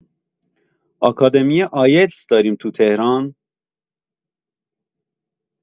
آکادمی ایلتس داریم تو تهران؟